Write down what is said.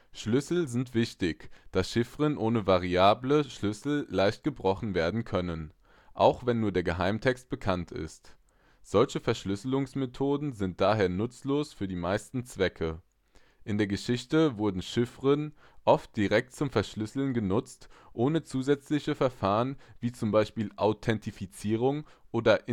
Schlüssel sind wichtig, da Chiffren ohne variable Schlüssel leicht gebrochen werden können, auch wenn nur der Geheimtext bekannt ist. Solche Verschlüsselungsmethoden sind daher nutzlos für die meisten Zwecke. In der Geschichte wurden Chiffren oft direkt zum Verschlüsseln genutzt, ohne zusätzliche Verfahren, wie z. B. Authentifizierung oder